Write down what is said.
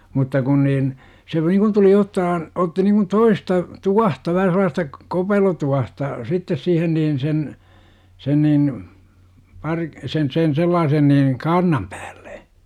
mutta kun niin se niin kuin tuli ottaa otti niin kuin toista tuohta vähän sellaista kopelotuohta sitten siihen niin sen sen niin - sen sen sellaisen niin kaarnan päälle